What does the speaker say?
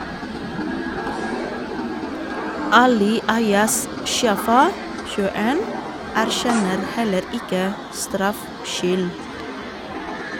Ali Ayaz Shafa (21) erkjenner heller ikke straffskyld.